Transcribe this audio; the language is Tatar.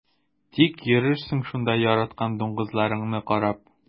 Тик йөрерсең шунда яраткан дуңгызларыңны карап.